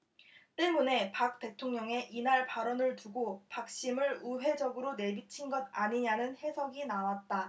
때문에 박 대통령의 이날 발언을 두고 박심 을 우회적으로 내비친 것 아니냐는 해석이 나왔다